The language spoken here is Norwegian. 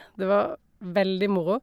Det var veldig moro.